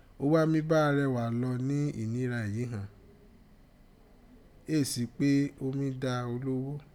Ó wá mi bá Arẹwà lọ ni ìnira èyí hàn, éè si pé ó mi da ológhó.